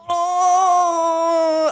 Ohh!